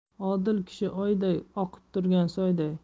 odil kishi oyday oqib turgan soyday